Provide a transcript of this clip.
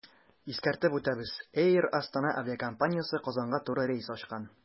Искәртеп үтәбез, “Эйр Астана” авиакомпаниясе Казанга туры рейс ачкан.